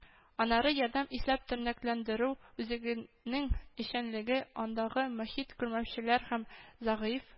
Аннары “Ярдәм” исләп тернәкләндерү үзәгенең эшчәнлеге, андагы мохит, күрмәүчеләр һәм зәгыйфь